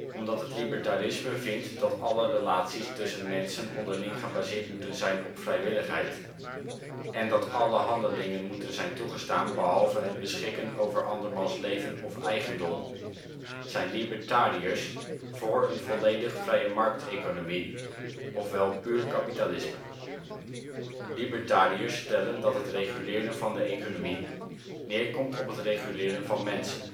Omdat het libertarisme vindt dat alle relaties tussen mensen onderling gebaseerd moeten zijn op vrijwilligheid, en dat alle handelingen moeten zijn toegestaan behalve het beschikken over andermans leven of eigendom, zijn libertariërs voor een volledig vrije markt-economie ofwel puur kapitalisme. Libertariërs stellen dat het reguleren van de economie neerkomt op het reguleren van mensen